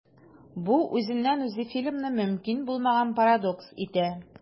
Бу үзеннән-үзе фильмны мөмкин булмаган парадокс итә.